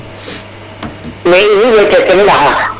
Mais in i ɗeete ke ta ɗaxaa,